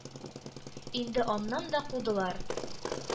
Инде аннан да кудылар.